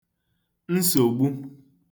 nsogbu